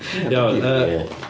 Iawn yy...